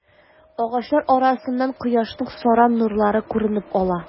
Агачлар арасыннан кояшның саран нурлары күренеп ала.